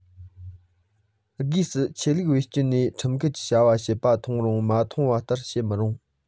སྒོས སུ ཆོས ལུགས བེད སྤྱད ནས ཁྲིམས འགལ གྱི བྱ བ བྱེད པ མཐོང རུང མ མཐོང བ ལྟར བྱེད མི རུང